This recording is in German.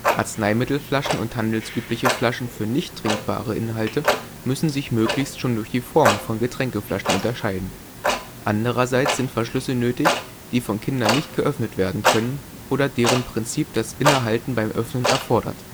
Arzneimittelflaschen und handelsübliche Flaschen für „ nichttrinkbare Inhalte “müssen sich möglichst schon durch die Form von Getränkeflaschen unterscheiden. Andererseits sind Verschlüsse nötig, die von Kindern nicht geöffnet werden können oder deren Prinzip das Innehalten beim Öffnen erfordert